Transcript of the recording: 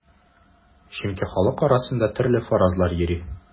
Чөнки халык арасында төрле фаразлар йөри.